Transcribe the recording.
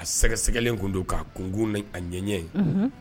A sɛgɛsɛgɛlen tun don, k'a kungun ni a ɲɛɲɛ. Unhun!